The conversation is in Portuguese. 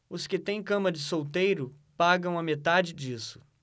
os que têm cama de solteiro pagam a metade disso